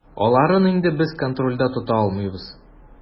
Аларын инде без контрольдә тота алмыйбыз.